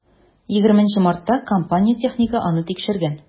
20 мартта компания технигы аны тикшергән.